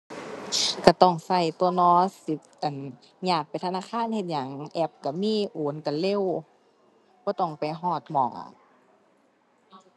ควรได้ เพราะว่าเกษตรกรลางคนก็ได้เงินน้อย ก็สิน่าสิต้องได้รับสิทธิพิเศษในการกู้เงิน